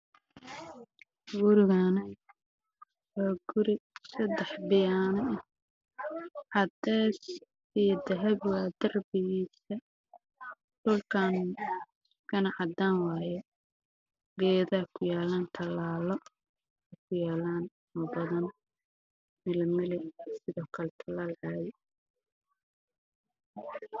Waxaan u jeedaa dabaq